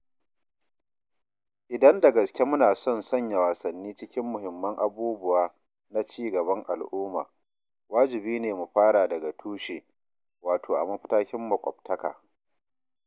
Idan da gaske muna son sanya wasanni cikin muhimman abubuwa na cigaban al’umma, wajibi ne mu fara daga tushe, wato a matakin makwabta ka.